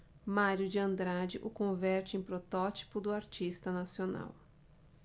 mário de andrade o converte em protótipo do artista nacional